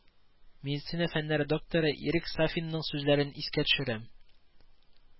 Медицина фәннәре докторы ирек сафинның сүзләрен искә төшерәм